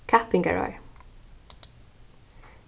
kappingarár